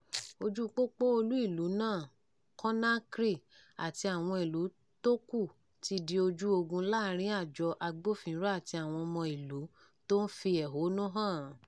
Ojúu pópó olú ìlú náà, Conakry, àti àwọn ìlú tó kù ti di ojú ogun láàárín àjọ agbófinró àti àwọn ọmọ ìlú tó ń fi èhónú hàn.